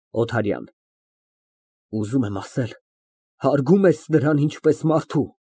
ՕԹԱՐՅԱՆ ֊ Ուզում եմ ասել, հարգո՞ւմ ես նրան ինպես մարդու։